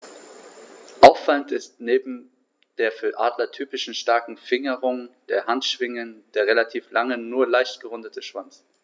Auffallend ist neben der für Adler typischen starken Fingerung der Handschwingen der relativ lange, nur leicht gerundete Schwanz.